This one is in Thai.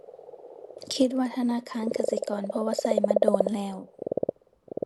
คิดว่าธนาคารกสิกร เพราะว่าใช้มาโดนแล้ว